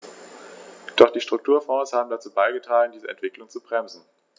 Doch die Strukturfonds haben dazu beigetragen, diese Entwicklung zu bremsen.